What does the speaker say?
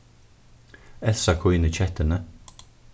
elsa kínir kettuni